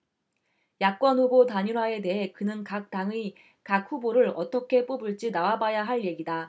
야권후보 단일화에 대해 그는 각당의 각 후보를 어떻게 뽑을지 나와봐야 할 얘기다